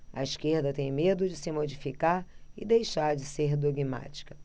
a esquerda tem medo de se modificar e deixar de ser dogmática